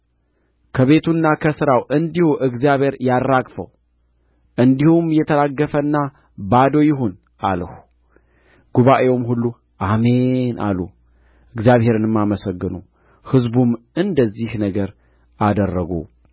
ከቤቱና ከሥራው እንዲሁ እግዚአብሔር ያራግፈው እንዲሁም የተራገፈና ባዶ ይሁን አልሁ ጉባኤውም ሁሉ አሜን አሉ እግዚአብሔርንም አመሰገኑ ሕዝቡም እንደዚህ ነገር አደረጉ